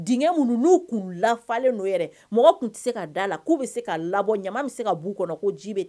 D mun n'u tun lafalen n' yɛrɛ mɔgɔ tun tɛ se ka da la k'u bɛ se ka labɔ ɲama bɛ se ka bu kɔnɔ ko ji bɛ